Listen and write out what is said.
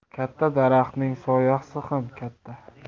katta daraxtning soyasi ham katta